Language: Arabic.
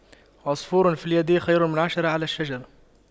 عصفور في اليد خير من عشرة على الشجرة